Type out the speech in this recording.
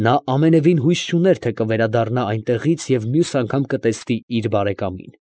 Նա ամենևին հույս չուներ, թե կվերադառնա այնտեղից և մյուս անգամ կտեսնի իր բարեկամին։